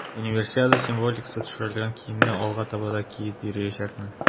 Универсиада символикасы төшерелгән киемне алга таба да киеп йөриячәкмен.